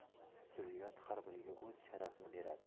zurriyot har biriga o'z sharafini beradi